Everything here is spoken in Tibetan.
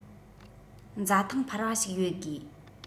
འཛའ ཐང འཕར བ ཞིག ཡོད དགོས